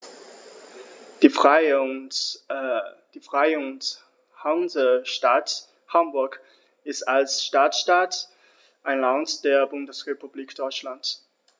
Die Freie und Hansestadt Hamburg ist als Stadtstaat ein Land der Bundesrepublik Deutschland.